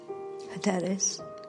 Hyderus.